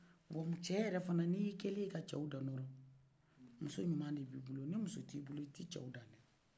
wa cɛ yɛrɛ fɔnɔ n'ye kɛlen ye ka cɛw dan dɔrɔ muso ɲuman de b'i bolo ni muso t'i bolo i tɛ cɛw dan dɛ